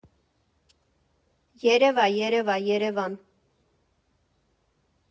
Երևա, երևա, Երևան։